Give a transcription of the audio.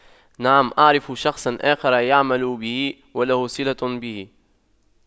نعم اعرف شخصا آخر يعمل به وله صلة به